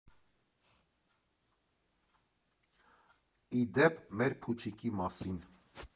Ի դեպ, մեր փուչիկի մասին։